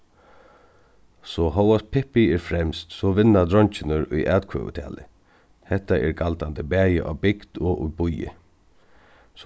so hóast pippi er fremst so so vinna dreingirnir í atkvøðutali hetta er galdandi bæði á bygd og í býi